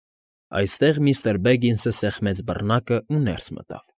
Այստեղ միստր Բեգինսը սեղմեց բռնակն ու ներս մտավ։